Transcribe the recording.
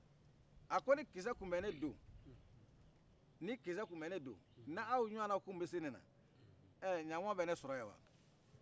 a ko ni kisɛ kun bɛ ne do ni kisɛ kun bɛ ne do n'a ɲɔgɔnaw kun bɛ se nela ɲan kuma tun bɛ ne sɔrɔ yan wa